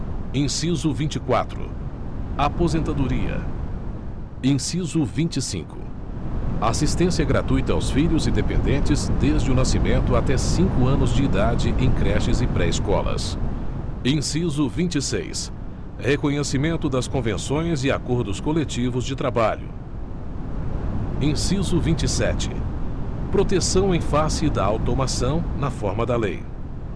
inciso vinte e quatro aposentadoria inciso vinte e cinco assistência gratuita aos filhos e dependentes desde o nascimento até cinco anos de idade em creches e pré escolas inciso vinte e seis reconhecimento das convenções e acordos coletivos de trabalho inciso vinte e sete proteção em face da automação na forma da lei